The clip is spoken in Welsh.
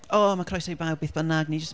O mae croeso i bawb beth bynnag, ni jyst...